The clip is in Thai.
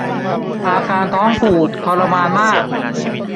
อาการท้องผูกทรมานมาก